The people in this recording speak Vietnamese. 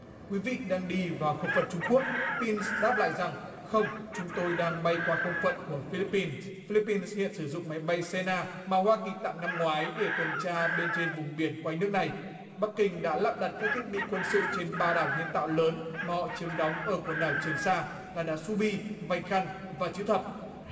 quý vị đang đi vào không phận trung quốc pin đáp lại rằng không chúng tôi đang bay qua không phận của phi lip pin phi lip pin hiện sử dụng máy bay sê na mà hoa kỳ tặng năm ngoái để tuần tra bên trên vùng biển quanh nước này bắc kinh đã lắp đặt các thiết bị quân sự trên ba đảo nhân tạo lớn mà họ chiếm đóng ở quần đảo trường sa là đá su bi vành khăn và chữ thập